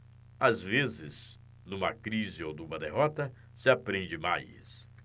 às vezes numa crise ou numa derrota se aprende mais